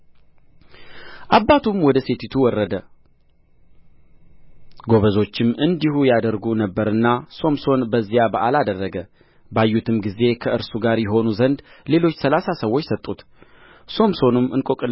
አባቱም ወደ ሴቲቱ ወረደ ጎበዞችም እንዲህ ያደርጉ ነበርና ሶምሶን በዚያ በዓል አደረገ ባዩትም ጊዜ ከእርሱ ጋር ይሆኑ ዘንድ ሌሎች ሠላሳ ሰዎች ሰጡት ሶምሶንም